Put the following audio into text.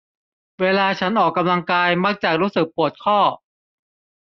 เวลาฉันออกกำลังกายมักจะรู้สึกปวดข้อ